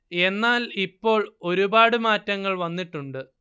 എന്നാൽ ഇപ്പോൾ ഒരുപാട് മാറ്റങ്ങൾ വന്നിട്ടുണ്ട്